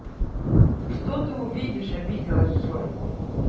что ты увидишь обиделась джой